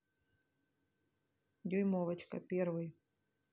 дюймовочка первый